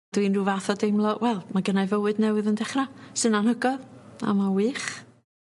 Dwi'n ryw fath o deimlo wel ma' gennai fywyd newydd yn dechra sy'n anhygoel a ma' wych.